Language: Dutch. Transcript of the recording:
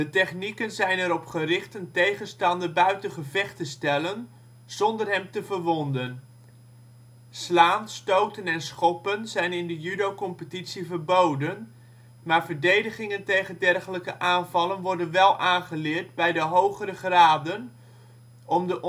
technieken zijn erop gericht een tegenstander buiten gevecht te stellen zonder hem te verwonden. Slaan, stoten en schoppen zijn in de judocompetitie verboden, maar verdedigingen tegen dergelijke aanvallen worden wel aangeleerd bij de hogere graden, om de